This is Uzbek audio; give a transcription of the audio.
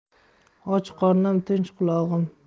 och qornim tinch qulog'im